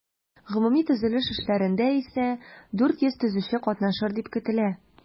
Гомуми төзелеш эшләрендә исә 400 төзүче катнашыр дип көтелә.